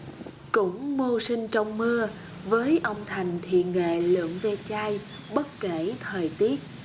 cũng mưu sinh trong mưa với ông thành thì nghề lượm ve chai bất kể thời tiết